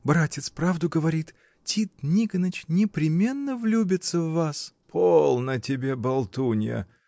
Братец правду говорит: Тит Никоныч непременно влюбится в вас. — Полно тебе, болтунья!